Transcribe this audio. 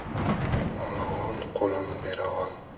olag'on qo'lim berag'on